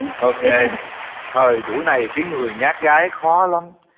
ô kê thời buổi này kiếm người nhát gái khó lắm